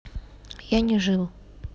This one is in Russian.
я не жил